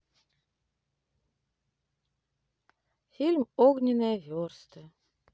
фильм огненные версты